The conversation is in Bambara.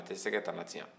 a tɛ sɛgɛ tana tiɲe